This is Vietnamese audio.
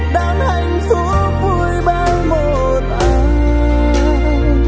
đang hạnh phúc vui bên một ai